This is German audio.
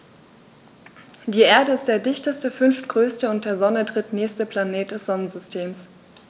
Die Erde ist der dichteste, fünftgrößte und der Sonne drittnächste Planet des Sonnensystems.